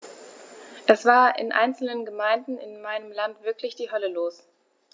Es war in einzelnen Gemeinden in meinem Land wirklich die Hölle los.